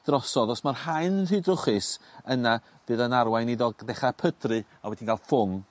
drosodd os ma'r haen yn rhy drwchus yna bydd yn arwain iddo ddechra pydru a wedyn ga'l ffwng.